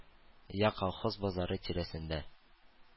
Йә колхоз базары тирәсендә